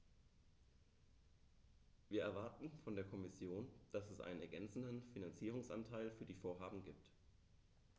Wir erwarten von der Kommission, dass es einen ergänzenden Finanzierungsanteil für die Vorhaben gibt.